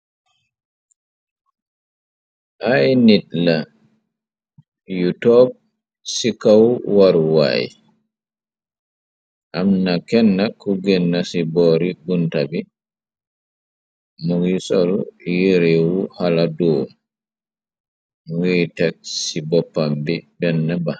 ay nit la yu toop ci kaw waruwaay am na kenn ko genna ci boori gunta bi munguy sol yi réewu xala doo nguy teg ci boppam bi benn bax